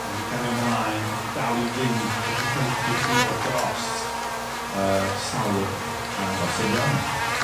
ag i gario mlaen ac i dal i fynd wedi helpu chi ddod drost yr salwch ag... Bosib lawn.